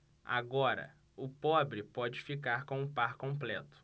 agora o pobre pode ficar com o par completo